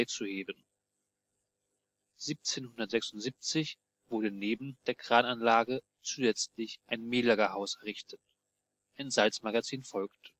heben. 1776 wurde neben der Krananlage zusätzlich ein Mehllagerhaus errichtet. Ein Salzmagazin folgte